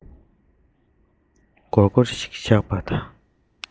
སྒོར སྒོར ཞིག བཞག པ དང